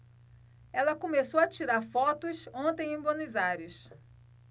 ela começou a tirar fotos ontem em buenos aires